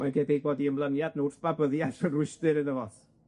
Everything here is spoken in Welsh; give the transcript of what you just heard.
Mae'n debyg bod 'u ymlyniad nw wrth Babyddiath yn rwystr iddo fo.